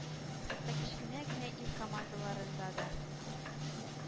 Хәтта кечкенә генә ил командаларында да